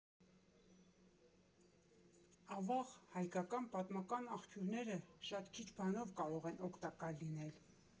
Ավաղ, հայկական պատմական աղբյուրները շատ քիչ բանով կարող են օգտակար լինել։